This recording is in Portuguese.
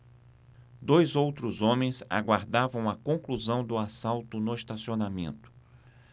dois outros homens aguardavam a conclusão do assalto no estacionamento